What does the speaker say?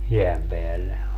jään päälle